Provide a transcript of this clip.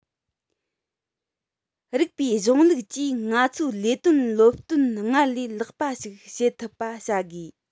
རིགས པའི གཞུང ལུགས ཀྱིས ང ཚོའི ལས དོན ལ སློབ སྟོན སྔར ལས ལེགས པ ཞིག བྱེད ཐུབ པ བྱ དགོས